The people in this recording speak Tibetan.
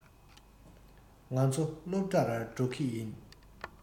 ང ཚོ སློབ གྲྭར འགྲོ གི ཡིན